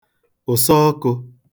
ụ̀sọọkụ̄